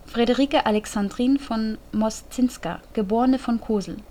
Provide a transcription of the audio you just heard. Friederike Alexandrine von Moszynska, geb. von Cosel